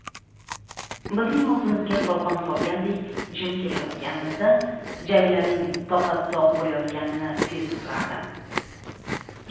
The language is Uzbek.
bizning og'zimizga talqon solgandek jim kelayotganimizdan jamilaning toqati toq bo'layotganini sezib turardim